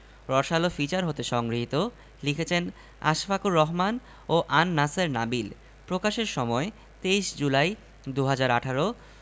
রসআলো feature হতে সংগৃহীত লিখেছেনঃ আশফাকুর রহমান ও আন্ নাসের নাবিল প্রকাশের সময়ঃ ২৩ জুলাই ২০১৮